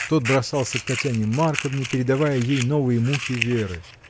Тот бросался к Татьяне Марковне, передавая ей новые муки Веры.